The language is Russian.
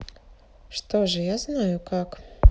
что же я знаю как